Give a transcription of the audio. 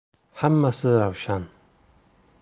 hammasi ravshan